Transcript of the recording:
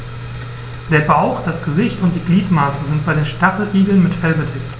Der Bauch, das Gesicht und die Gliedmaßen sind bei den Stacheligeln mit Fell bedeckt.